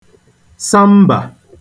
sambà